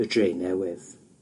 y Drenewydd.